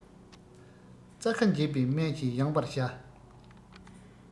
རྩ ཁ འབྱེད པའི སྨན གྱིས ཡངས པར བྱ